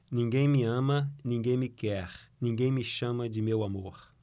ninguém me ama ninguém me quer ninguém me chama de meu amor